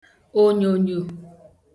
ònyònyò